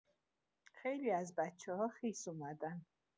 خیلی از بچه‌ها خیس اومدن.